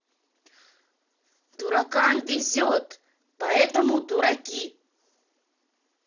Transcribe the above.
дуракам везет поэтому дураки